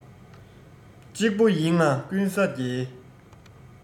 གཅིག པུ ཡིན ང ཀུན ས རྒྱལ